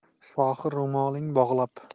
shohi ro'moling bog'lab